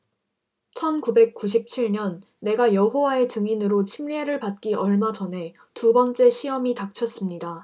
천 구백 구십 칠 년 내가 여호와의 증인으로 침례를 받기 얼마 전에 두 번째 시험이 닥쳤습니다